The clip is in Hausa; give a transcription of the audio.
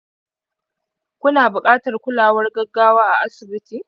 ku na buƙatar kulawar gaggawa a asibiti